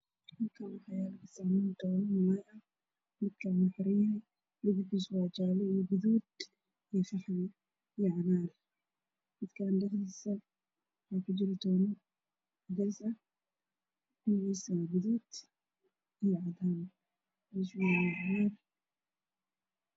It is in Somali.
Meeshaan waxaa ku yaalla boor ka wuxuu ka kooban yahay caddaan iyo cagaar waxaa ku qoran hilwo ligh waxaana ku sawiran kalluun gidgiduud ah iyo madow isku jiraa